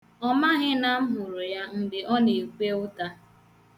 Ọ maghị na m hụrụ ya mgbe ọ na-ekwe ụta.